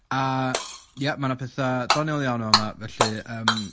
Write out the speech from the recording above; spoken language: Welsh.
A ie ma' 'na pethau doniol iawn yn fan yma, felly yym...